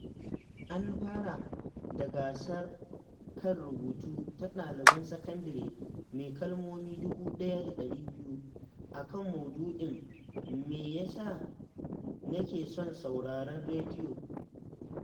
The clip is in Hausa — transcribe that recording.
An fara da gasar kan rubutu ta ɗaliban sakandire mai kalmomi 1,200 a kan maudu'in ''me ya sa nake son sauraran rediyo”